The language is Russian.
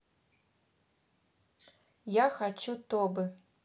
я хочу тобы